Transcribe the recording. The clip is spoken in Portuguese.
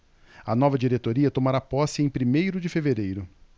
a nova diretoria tomará posse em primeiro de fevereiro